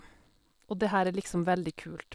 Og det her er liksom veldig kult.